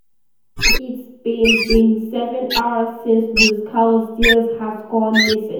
It's been been seven hours since Luis Carlos Díaz has gone missing.